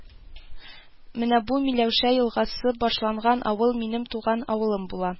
Менә бу Миләүшә елгасы башланган авыл минем туган авылым була